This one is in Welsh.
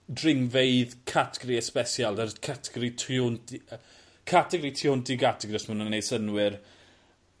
dringfeydd categori especial categori twi wnt i yy categori tu wnt i gategori os ma wnna'n neud synnwyr.